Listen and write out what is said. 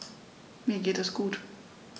Mir geht es gut.